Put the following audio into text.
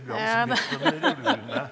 ja .